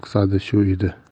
maqsadi shu edi